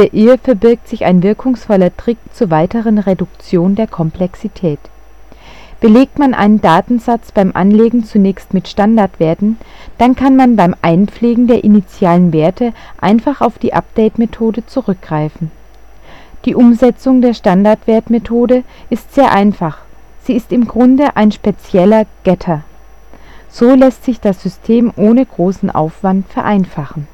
ihr verbirgt sich ein wirkungsvoller Trick zur weiteren Reduktion der Komplexität. Belegt man einen Datensatz beim Anlegen zunächst mit Standardwerten, dann kann man beim Einpflegen der initialen Werte einfach auf die Update-Methode zurück greifen. Die Umsetzung der Standardwerte-Methode ist sehr einfach, sie ist im Grunde eine spezieller Getter. So lässt sich das System ohne großen Aufwand vereinfachen